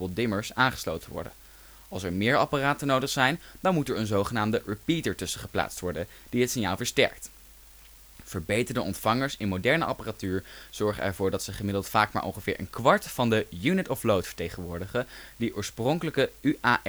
dimmers) aangesloten worden. Als er meer apparaten nodig zijn dan moet er een zogenaamde repeater tussen geplaatst worden, die het signaal versterkt. Verbeterde ontvangers in moderne apparatuur zorgen ervoor dat ze gemiddeld vaak maar ongeveer een kwart van de " unit of load " vertegenwoordigen die oorspronkelijke UARTs op een EIA-485 bus vertegenwoordigden